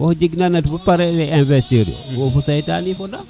wo fe jeg na bo pare we investir iro wo fo seytane foda